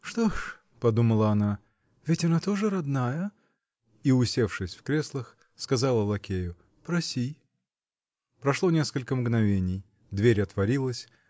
"Что ж, -- подумала она, -- ведь она тоже родная, -- и, усевшись в креслах, сказала лакею: -- Проси!" Прошло несколько мгновений дверь отворилась